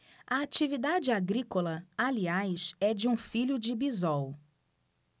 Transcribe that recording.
a atividade agrícola aliás é de um filho de bisol